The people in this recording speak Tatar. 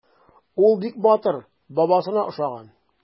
Ул бик батыр, бабасына охшаган.